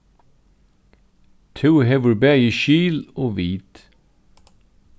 tú hevur bæði skil og vit